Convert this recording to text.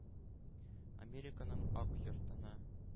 Американың Ак йортына,